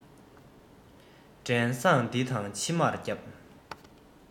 བྲན བཟང འདི དང ཕྱི མར བསྐྱབས